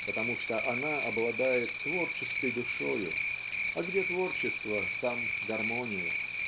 потому что она обладает творческой душою а где творчество там гармония.